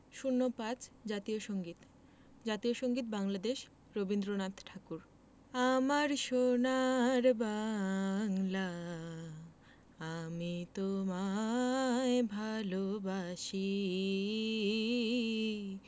০৫ জাতীয় সংগীত জাতীয় সংগীত বাংলাদেশ রবীন্দ্রনাথ ঠাকুর আমার সোনার বাংলা আমি তোমায় ভালোবাসি